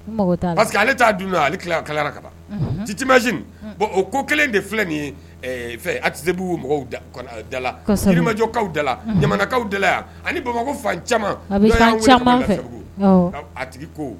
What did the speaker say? Parce que ale t' dun ale tila kalara ka ci timɛsin bɔn o ko kelen de filɛ nin ye fɛ a' dalamajɔkaw dala la jamanakaw dala yan ani bamakɔko fa caman fɛku a tigi ko